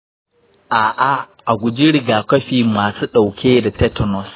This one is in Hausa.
a'a, a guji rigakafi masu dauke da tetanus.